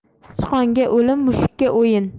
sichqonga o'lim mushukka o'yin